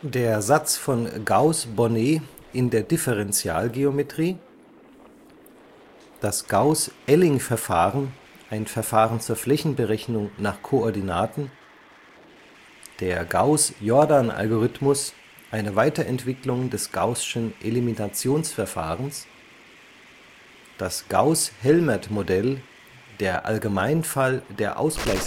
der Satz von Gauß-Bonnet in der Differentialgeometrie das Gauß-Elling-Verfahren, ein Verfahren zur Flächenberechnung nach Koordinaten der Gauß-Jordan-Algorithmus, eine Weiterentwicklung des gaußschen Eliminationsverfahrens das Gauß-Helmert-Modell, der Allgemeinfall der Ausgleichungsrechnung